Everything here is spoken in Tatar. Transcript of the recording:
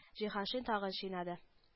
Җиһаншин тагын чинады